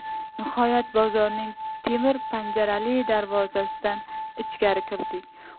nihoyat bozorning temir panjarali darvozasidan ichkari kirdik